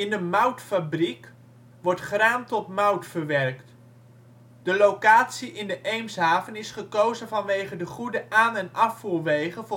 de moutfabriek wordt graan tot mout verwerkt. De locatie in de Eemshaven is gekozen vanwege de goede aan - en afvoerwegen